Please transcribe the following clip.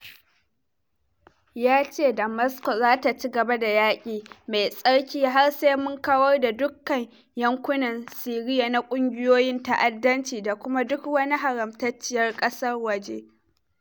Ya ce Damascus za ta ci gaba da ""yaƙi mai tsarki har sai mun kawar da dukkan yankunan Siriya" na ƙungiyoyin ta'addanci da kuma "duk wani haramtacciyar ƙasar waje."